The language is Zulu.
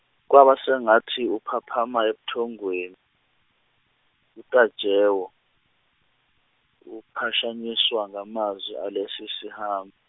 kwaba sengathi uphaphama ebuthongweni uTajewo, uphashanyiswa ngamazwi alesi sihambi.